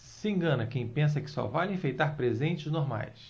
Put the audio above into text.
se engana quem pensa que só vale enfeitar presentes normais